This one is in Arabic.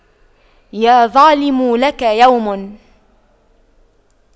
يا ظالم لك يوم